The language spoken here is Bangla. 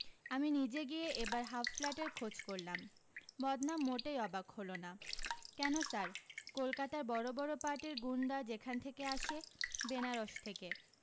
আমি নিজে গিয়ে এবার হাফ ফ্ল্যাটের খোঁজ করলাম মদনা মোটেই অবাক হলো না কেন স্যার কলকাতার বড় বড় পার্টির গুণ্ডা যেখান থেকে আসে বেনারস থেকে